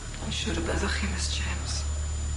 Dwi'n siŵr y byddwch chi Miss James.